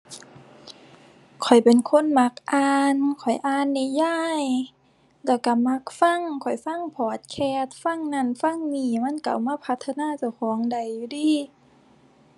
ข้อยเป็นคนมักอ่าน ข้อยอ่านนิยาย แล้วก็มักฟัง ข้อยฟังพอดแคสต์ ฟังนั่นฟังนี่ มันก็เอามาพัฒนาเจ้าของได้อยู่เดะ